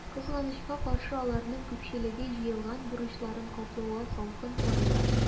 Кызганычка каршы, аларның күпчелеге җыелган бурычларын каплауга салкын карыйлар.